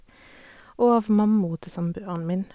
Og av mammaen til samboeren min.